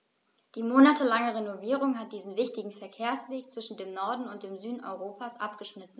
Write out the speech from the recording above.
Die monatelange Renovierung hat diesen wichtigen Verkehrsweg zwischen dem Norden und dem Süden Europas abgeschnitten.